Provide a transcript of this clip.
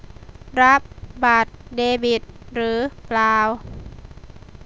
รับบัตรเดบิตหรือเปล่า